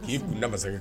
K'i kun damasa